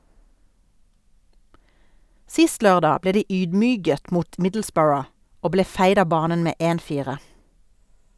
Sist lørdag ble de ydmyket mot Middlesbrough, og ble feid av banen med 1-4.